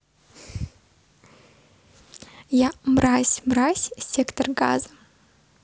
я мразь мразь сектор газа